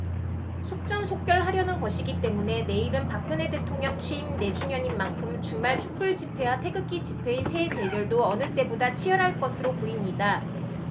속전속결 하려는 것이기 때문에 내일은 박근혜 대통령 취임 네 주년인 만큼 주말 촛불집회와 태극기집회의 세 대결도 어느 때보다 치열할 것으로 보입니다